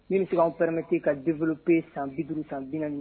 Mi se anpɛmeti ka denp pee san bi duuruuru san4